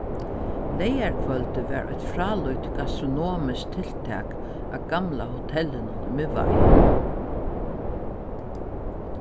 leygarkvøldið var eitt frálíkt gastronomiskt tiltak á gamla hotellinum í miðvági